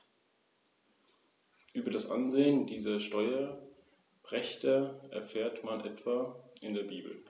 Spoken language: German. Es folgten Konflikte mit den Antigoniden, wobei Rom in Griechenland gegen Philipp V. intervenierte, um den makedonischen Einfluss in Griechenland zurückzudrängen.